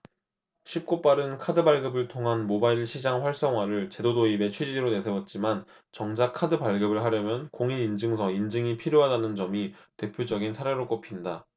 쉽고 빠른 카드 발급을 통한 모바일 시장 활성화를 제도 도입의 취지로 내세웠지만 정작 카드 발급을 하려면 공인인증서 인증이 필요하다는 점이 대표적인 사례로 꼽힌다